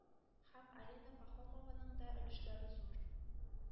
Һәм алина пахомованың да өлешләре зур.